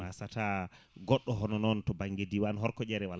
wasata goɗɗo hono noon to banggue diwan Orkodiére